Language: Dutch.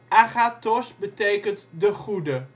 agathos) betekent de goede